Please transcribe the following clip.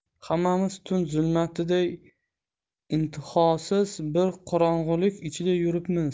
hammamiz tun zulmatiday intihosiz bir qorong'ilik ichida yuribmiz